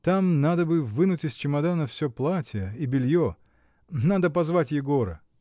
— Там надо бы вынуть из чемодана всё платье и белье. Надо позвать Егора.